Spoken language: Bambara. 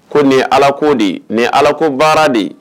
Ko nin ye alako de ye nin alakobaara de ye